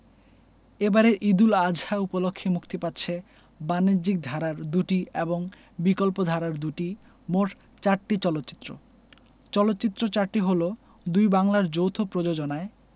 এবারের ঈদ উল আযহা উপলক্ষে মুক্তি পাচ্ছে বাণিজ্যিক ধারার দুটি এবং বিকল্পধারার দুটি মোট চারটি চলচ্চিত্র চলচ্চিত্র চারটি হলো দুই বাংলার যৌথ প্রযোজনায়